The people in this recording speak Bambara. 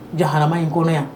Jahama in kɔnɔ yan.